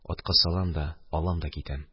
Атка салам да алам да китәм.